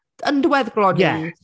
Yn diweddglo ni... Ie.